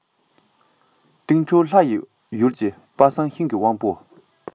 སྟེང ཕྱོགས ལྷ ཡི ཡུལ གྱི དཔག བསམ ཤིང གི དབང པོ